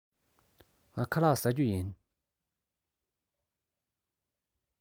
ངས ཁ ལག བཟས མེད